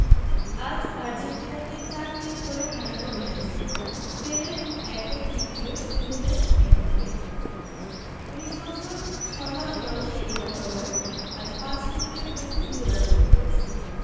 আজ আর্জেন্টিনাকে ৪ ৩ গোলে হারানোর ম্যাচে পেলের একটা কীর্তিও ছুঁয়ে ফেললেন এমবাপ্পে ১৯ বছর ৬ মাস বয়সী এই ফরোয়ার্ড আজ ৫ মিনিটের মধ্যে জোড়া গোল করেছেন